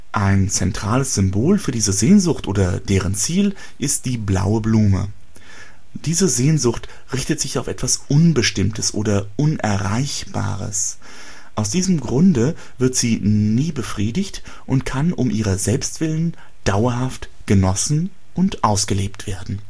Ein zentrales Symbol für diese Sehnsucht oder deren Ziel ist die Blaue Blume. Die Sehnsucht richtet sich auf etwas Unbestimmtes oder Unerreichbares. Aus diesem Grunde wird sie nie befriedigt und kann um ihrer selbst willen dauerhaft genossen und ausgelebt werden